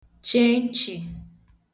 che nchị̀